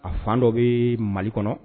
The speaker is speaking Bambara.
A fan dɔ bɛ mali kɔnɔ